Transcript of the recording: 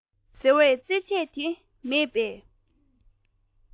ཟེར བའི རྩེད ཆས དེ མེད པས